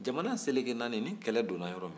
jamana seleke naani ni kɛlɛ donna yɔrɔ min